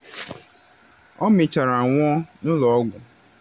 Ọ mechara nwụọ n’ụlọ ọgwụ.